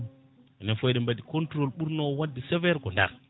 enen foof mbaɗi contôle ɓurno wonde sévère ko Ndar